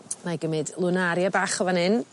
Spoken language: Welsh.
'nai gymyd lwnaria bach o fan 'yn